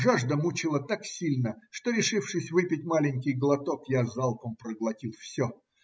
Жажда мучила так сильно, что, решившись выпить маленький глоток, я залпом проглотил все.